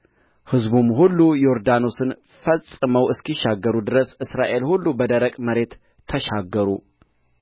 ሕዝቡም ሁሉ ዮርዳኖስን ፈጽመው እስኪሻገሩ ድረስ እስራኤል ሁሉ በደረቅ መሬት ተሻገሩ